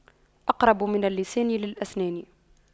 أقرب من اللسان للأسنان